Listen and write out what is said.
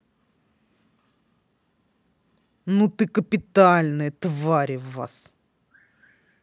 ну ты капитальная твари вас